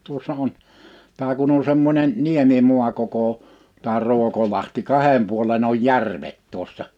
tuossa on tämä kun on semmoinen niemimaa koko tämä Ruokolahti kahden puolen oli järvet tuossa